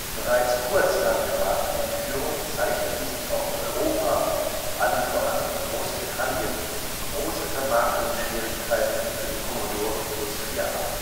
Bereits kurz nach Markteinführung zeichneten sich auch in Europa, allen voran in Großbritannien, große Vermarktungsschwierigkeiten für den Commodore Plus/4 ab